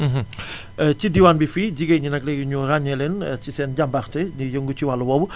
ci diwaan bi fii jigéen ñi nag léegi ñu ràññe leen ci seen jàmbarte ñuy yëngu ci wàllu woowu